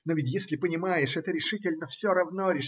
Но ведь, если понимаешь, это решительно все равно.